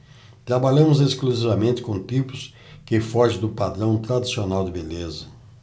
trabalhamos exclusivamente com tipos que fogem do padrão tradicional de beleza